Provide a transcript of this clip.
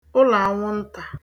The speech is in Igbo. ụlọ̀ anwụntà